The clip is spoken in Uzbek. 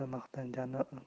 oldida maqtangani borardi